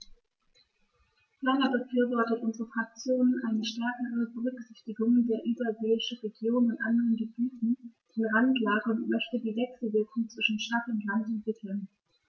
Ferner befürwortet unsere Fraktion eine stärkere Berücksichtigung der überseeischen Regionen und anderen Gebieten in Randlage und möchte die Wechselwirkungen zwischen Stadt und Land entwickeln.